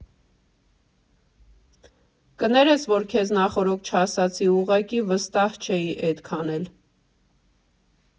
֊ Կներես, որ քեզ նախօրոք չասացի, ուղղակի վստահ չէի էդքան էլ։